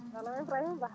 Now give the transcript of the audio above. alo Ibrahima Ba